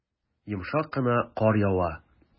Йомшак кына кар ява.